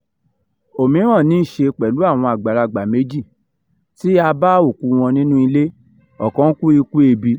Òmíràn ní í ṣe pẹ̀lú àwọn àgbàlagbà méjì tí a bá òkúu wọn nínú ilé, ọ̀kan kú ikú ebi.